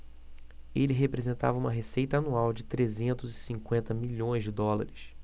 ele representava uma receita anual de trezentos e cinquenta milhões de dólares